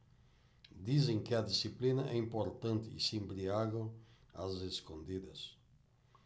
dizem que a disciplina é importante e se embriagam às escondidas